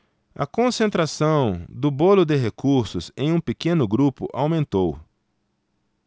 a concentração do bolo de recursos em um pequeno grupo aumentou